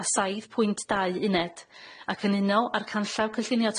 â saith pwynt dau uned ac yn unol â'r canllaw cyllunio